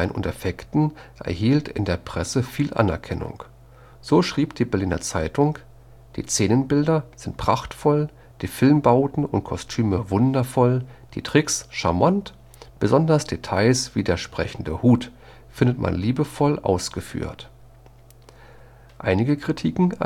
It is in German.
und Effekten erhielt in der Presse viel Anerkennung. So schrieb die Berliner Zeitung: „ Die Szenenbilder sind prachtvoll, die Filmbauten und Kostüme wundervoll, die Tricks charmant – besonders Details wie der ‚ Sprechende Hut ‘[…] findet man liebevoll ausgeführt. “Einige Kritiken